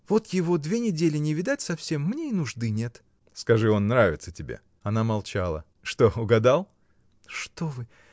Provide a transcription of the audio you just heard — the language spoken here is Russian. Вот его две недели не видать совсем, мне и нужды нет. — Скажи, он нравится тебе? Она молчала. — Что: угадал? — Что вы!